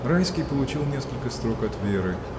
Райский получил несколько строк от Веры.